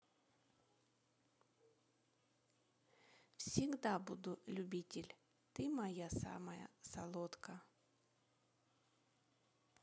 всегда буду любитель ты моя самая солодка